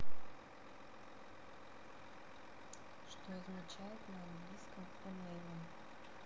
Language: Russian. что означает на английском эмейлом